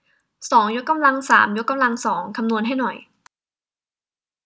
สองยกกำลังสามยกกำลังสองคำนวณให้หน่อย